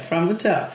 From the top.